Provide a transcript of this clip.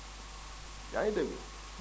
yaa ngi dgg